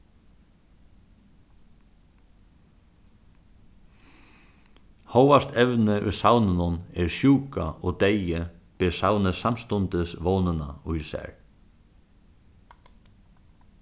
hóast evnið í savninum er sjúka og deyði ber savnið samstundis vónina í sær